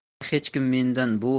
agar hech kim mendan bu